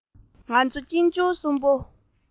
ང ཚོ གཅེན གཅུང གསུམ པོ